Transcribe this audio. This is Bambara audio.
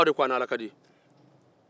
aw de ko a' ni ala ka di